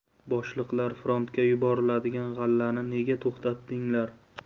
boshliqlar frontga yuboriladigan g'allani nega to'xtatdinglar